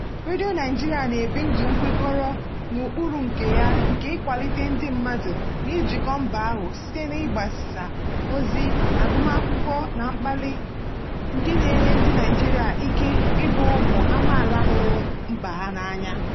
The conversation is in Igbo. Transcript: Radio Nigeria na-ebi ndụ kwekọrọ n'ụkpụrụ nke ya nke ịkwalite ndị mmadụ na ijikọ mba ahụ" site na ịgbasa ozi, agụmakwụkwọ na mkpali nke na-enye ndị Naịjirịa ike ịbụ ụmụ amaala hụrụ mba ha n'anya.